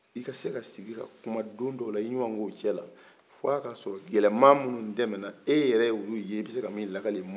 i ka se ka sigi ka kuma i ɲɔgɔnnaw cɛla fon'a y'a sɔrɔ galɛma minnu tɛmɛna e yɛrɛ ye olu i bɛ se ka minnu lakale